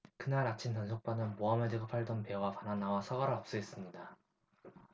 그날 아침 단속반은 모하메드가 팔던 배와 바나나와 사과를 압수했습니다